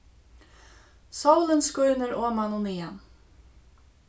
sólin skínur oman og niðan